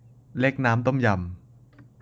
เล็กน้ำต้มยำ